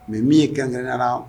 Mɛ min ye kɛrɛnkɛrɛnyala